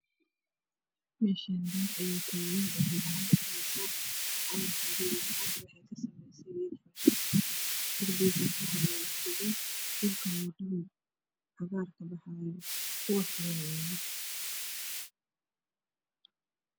Meeshani dad ayaa taagan oo wato clan bulug ah